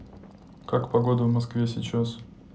как погода в москве сейчас